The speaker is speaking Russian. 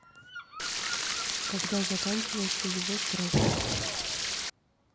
когда заканчивается его срок